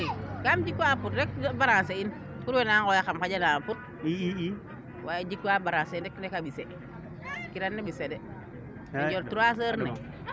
kam jikwa a put ref brancher in pour weena ngoyaxam xanja naam a put waaye jikwa brancher rek a ɓise kiran ne ɓise de nder 3 heure ne